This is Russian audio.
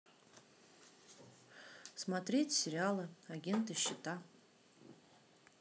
смотреть сериалы агенты щита